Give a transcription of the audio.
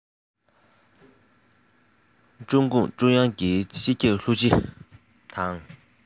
ཀྲུང གུང ཀྲུང དབྱང གི སྤྱི ཁྱབ ཧྲུའུ ཅི དང